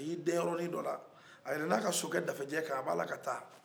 a y'i dɛn yɔrɔ ni dɔ la a yɛlɛl'a ka sokɛ dafejɛ kan a b'a la ka taa